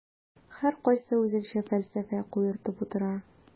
Һәркайсы үзенчә фәлсәфә куертып утыра.